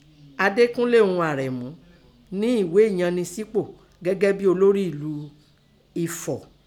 Adékúnlé ún Àrèmú nẹ́ ẹ̀ghé ẹ̀yannẹsípò gẹ́gẹ́ bí olórí èlú Efọ̀.